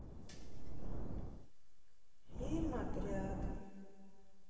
фильм отряд